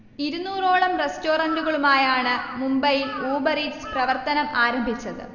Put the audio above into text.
ഇരുന്നൂറോളം റെസ്റ്ററന്റുകളുമായാണ് മുംബൈയിൽ ഊബർ ഈറ്റ്സ് പ്രവർത്തനം ആരംഭിച്ചത്